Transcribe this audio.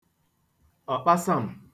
ọ̀kpasàm